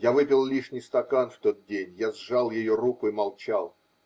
Я выпил лишний стакан в тот день, я сжал ее руку и молчал.